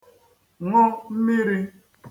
ṅụ mmirī